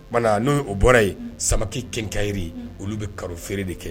Kuma na no bɔra yen Samakɛ quaicellerie olu bɛ. caro feere de kɛ